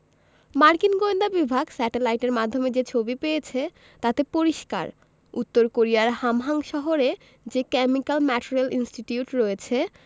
মার্কিন গোয়েন্দা বিভাগ স্যাটেলাইটের মাধ্যমে যে ছবি পেয়েছে তাতে পরিষ্কার উত্তর কোরিয়ার হামহাং শহরে যে কেমিক্যাল ম্যাটেরিয়াল ইনস্টিটিউট রয়েছে